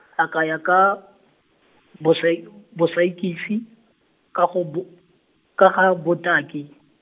a kaya ka, bosai- bosaikisi, ka go bo-, ka ga botaki.